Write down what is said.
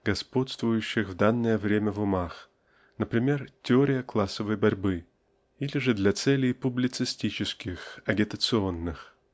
господствующих в данное время в умах (напр<имер> теорий классовой борьбы) или же для целей публицистических агитационных.